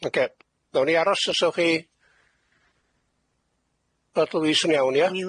Ocê nawn ni aros os ewch chi, fod Louise yn iawn ie?